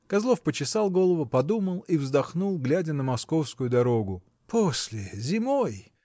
Козлов почесал голову, подумал и вздохнул, глядя на московскую дорогу. — После, зимой.